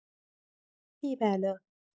بی بلا